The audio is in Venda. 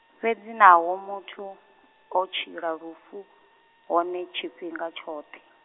fhedzi naho muthu, o tshila lufu, hone tshifhinga tshoṱhe.